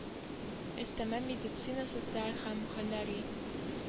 Өстәмә медицина социаль һәм һөнәри